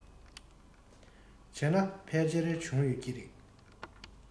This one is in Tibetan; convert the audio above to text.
བྱས ན ཕལ ཆེར བྱུང ཡོད ཀྱི རེད